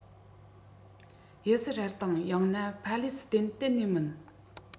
དབྱི སི རལ དང ཡང ན ཕ ལེ སི ཐན གཏན ནས མིན